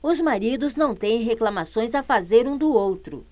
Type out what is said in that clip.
os maridos não têm reclamações a fazer um do outro